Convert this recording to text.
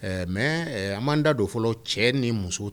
Ɛɛ mais an ma da don fɔlɔ cɛ ni muso